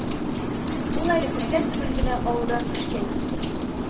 Ул әле күптән түгел генә авылдан эшкә килде